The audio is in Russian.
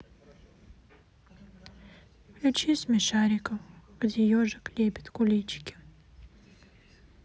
включи смешариков где ежик лепит куличики